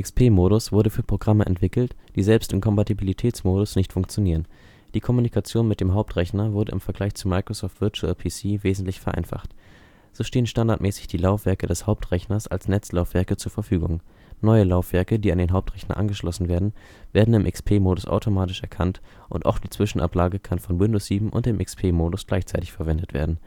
XP-Modus wurde für Programme entwickelt, die selbst im Kompatibilitätsmodus nicht funktionieren. Die Kommunikation mit dem Hauptrechner wurde im Vergleich zu Microsoft Virtual PC wesentlich vereinfacht. So stehen standardmäßig die Laufwerke des Hauptrechners als Netzlaufwerke zur Verfügung. Neue Laufwerke, die an den Hauptrechner angeschlossen werden, werden im XP-Modus automatisch erkannt und auch die Zwischenablage kann von Windows 7 und dem XP-Modus gleichzeitig verwendet werden